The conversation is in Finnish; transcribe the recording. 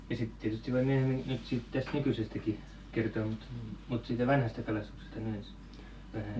ja sitten tietysti voi myöhemmin nyt sitten tästä nykyisestäkin kertoa mutta mutta siitä vanhasta kalastuksesta nyt ensin vähän